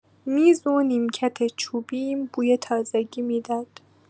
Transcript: میز و نیمکت چوبی‌م بوی تازگی می‌داد.